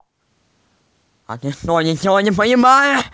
а ты что ничего не понимаешь